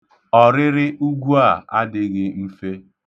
Ọrịrị ugwu a adịghị mfe.